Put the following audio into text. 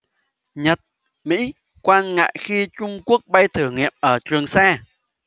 nhật mỹ quan ngại khi trung quốc bay thử nghiệm ở trường sa